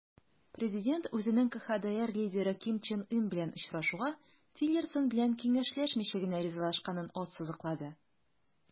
Президент үзенең КХДР лидеры Ким Чен Ын белән очрашуга Тиллерсон белән киңәшләшмичә генә ризалашканын ассызыклады.